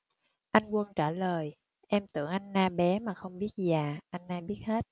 anh quân trả lời em tưởng anna bé mà không biết gì à anna biết hết